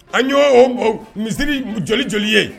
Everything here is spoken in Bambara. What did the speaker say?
A y'o o misiri joli joli ye?